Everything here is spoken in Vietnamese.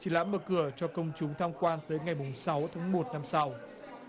triển lãm mở cửa cho công chúng tham quan tới ngày mùng sáu tháng một năm sau